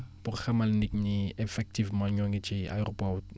pour xamal nit ñi ni effectivement ñoo ngi ci aéroport